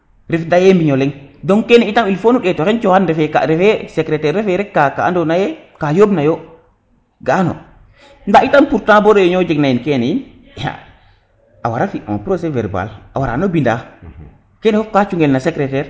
deye mbiño leng donc kene itam fook nu ndet o xene nu coxan refe ka refe secretaire refe rek ka ando naye ka yomb nayo ga ano nda itam pourtant bo reunion jeg nayin kene yiin a wara fi un procés verbale a wara no mbinda kene fop ka cungel no secretaire